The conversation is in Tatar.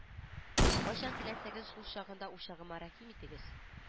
Кайчан теләсәгез шул чагында учагыма рәхим итегез